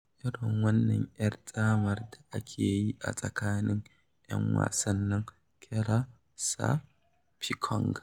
Irin wannan 'yar tsamar da ake yi a tsakanin 'yan wasan ana kiran sa "picong".